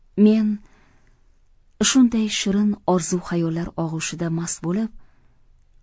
men shunday shirin orzu xayollar og'ushida mast bo'lib